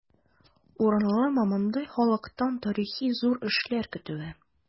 Урынлымы мондый халыктан тарихи зур эшләр көтүе?